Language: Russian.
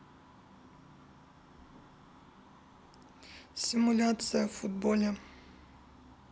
симуляция в футболе